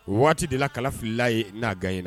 O waati de la kala fili l'a ye n'a gagné na